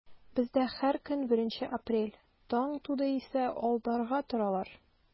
Бездә һәр көн беренче апрель, таң туды исә алдарга торалар.